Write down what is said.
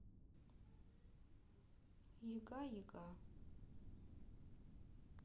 яга яга